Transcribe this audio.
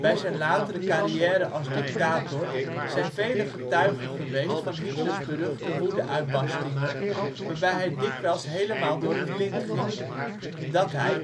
Bij zijn latere carrière als dictator zijn velen getuige geweest van Hitlers beruchte woedeuitbarstingen waarbij hij dikwijls helemaal door het lint ging. Dat hij